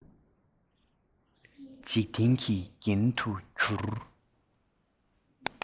འཇིག རྟེན གྱི རྒྱན དུ གྱུར